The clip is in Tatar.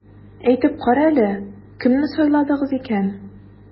Әйтеп кара әле, кемне сайладыгыз икән?